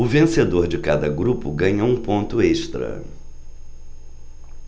o vencedor de cada grupo ganha um ponto extra